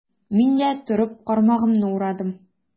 Мин дә, торып, кармагымны урадым.